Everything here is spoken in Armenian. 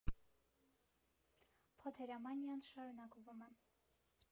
Փոթերամանիան շարունակվում է.